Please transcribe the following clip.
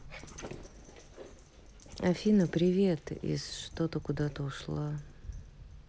афина привет из что то куда то ушла